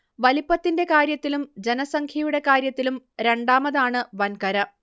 വലിപ്പത്തിന്റെ കാര്യത്തിലും ജനസംഖ്യയുടെ കാര്യത്തിലും രണ്ടാമതാണ് വൻകര